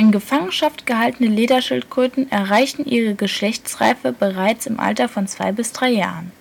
Gefangenschaft gehaltene Lederschildkröten erreichen ihre Geschlechtsreife mitunter bereits im Alter von zwei bis drei Jahren